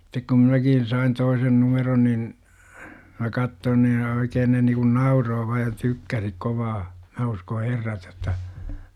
että sitten kun minäkin sain toisen numeron niin minä katsoin niin oikein ne niin kuin nauroi vain ja tykkäsi kovaa minä uskon herrat jotta